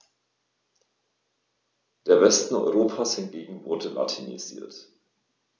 Der Westen Europas hingegen wurde latinisiert.